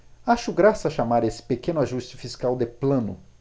acho graça chamar esse pequeno ajuste fiscal de plano